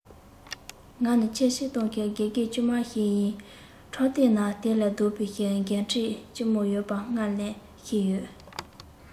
ང ནི ཆེས སྤྱིར བཏང གི དགེ རྒན དཀྱུས མ ཞིག ཡིན ཕྲག སྟེང ན དེ ལས ལྡོག པའི འགན འཁྲི ལྕི མོ ཡོད པ སྔར ནས ཤེས ཡོད